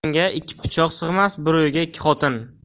bir qinga ikki pichoq sig'mas bir uyga ikki xotin